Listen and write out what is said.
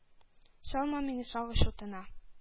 Салма мине сагыш утына.